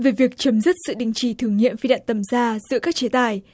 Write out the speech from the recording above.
về việc chấm dứt sự đình chỉ thử nghiệm phi đạn tầm xa giữa các chế tài